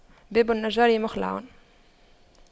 باب النجار مخَلَّع